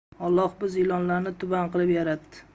olloh biz ilonlarni tuban qilib yaratdi